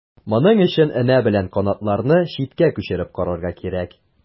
Моның өчен энә белән канатларны читкә күчереп карарга кирәк.